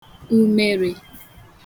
umerē